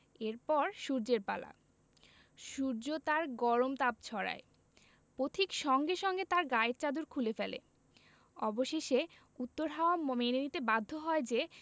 এর পর সূর্যের পালা সূর্য তার গরম তাপ ছড়ায় পথিক সঙ্গে সঙ্গে তার গায়ের চাদর খুলে ফেলে অবশেষে উত্তর হাওয়া মেনে নিতে বাধ্য হয় যে